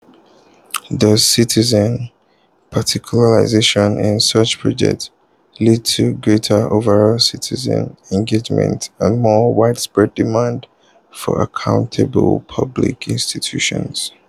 Does citizen participation in such projects lead to greater overall citizen engagement and more widespread demand for accountable public institutions?